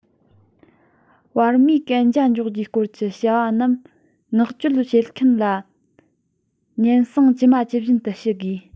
བར མིས གན རྒྱ འཇོག རྒྱུའི སྐོར གྱི བྱ བ རྣམས མངགས བཅོལ བྱེད མཁན ལ སྙན སེང ཇི མ ཇི བཞིན ཞུ དགོས